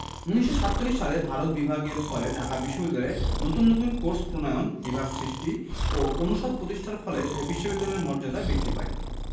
১৯৪৭ সালে ভারত বিভাগের ফলে ঢাকা বিশ্ববিদ্যালয়ে নতুন নতুন কোর্স প্রণয়ন বিভাগ সৃষ্টি ও অনুষদ প্রতিষ্ঠার ফলে এ বিশ্ববিদ্যালয়ের মর্যাদা বৃদ্ধি পায়